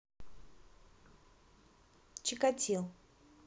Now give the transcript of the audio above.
чикатил